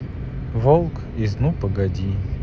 волк из ну погоди